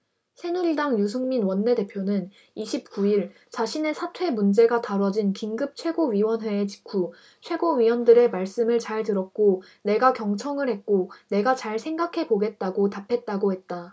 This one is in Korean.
새누리당 유승민 원내대표는 이십 구 일 자신의 사퇴 문제가 다뤄진 긴급 최고위원회의 직후 최고위원들의 말씀을 잘 들었고 내가 경청을 했고 내가 잘 생각해 보겠다고 답했다고 했다